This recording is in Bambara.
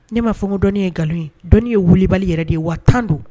Ne maa fɔma dɔnnii ye nkalon ye dɔnnii ye weelelibali yɛrɛ de ye wa tan don